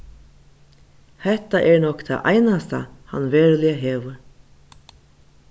hetta er nokk tað einasta hann veruliga hevur